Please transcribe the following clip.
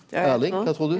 Erling kva trur du?